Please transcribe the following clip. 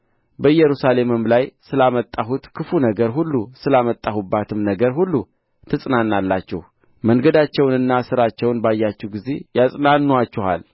በኢየሩሳሌምም ላይ ስላመጣሁት ክፉ ነገር ሁሉ ስላመጣሁባትም ነገር ሁሉ ትጽናናላችሁ መንገዳቸውንና ሥራቸውን ባያችሁ ጊዜ ያጽናኑአችኋል